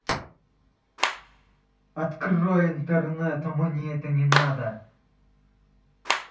открой интернет мне это не надо